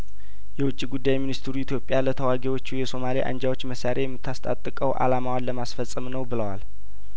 የውጭ ጉዳይ ሚኒስትሩ ኢትዮጵያ ለተዋጊዎቹ የሱማሌ አንጃዎች መሳሪያ የምታስታጥቀው አላማዋን ለማስፈጸም ነው ብለዋል